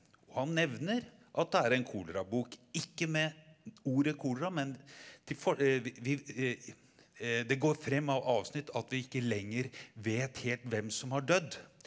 og han nevner at det er en kolerabok, ikke med ordet kolera, men til vi det går frem av avsnitt at vi ikke lenger vet helt hvem som har dødd.